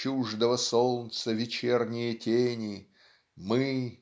чуждого солнца вечерние тени, Мы